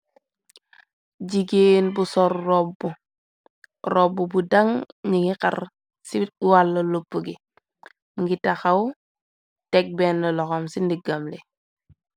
Jigéen bu sol robb, bu robbu bu daŋg mungi har ci wàllu lopp bi, mungi tahaw teg benn loham ci ndiggam li.